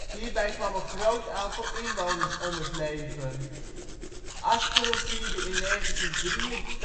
Hierbij kwam een groot aantal inwoners om het leven. Asperen vierde in 1983 zijn duizendjarig